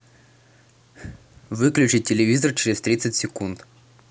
выключить телевизор через тридцать секунд